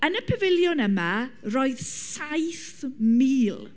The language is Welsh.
Yn y pafiliwn yma, roedd saith mil.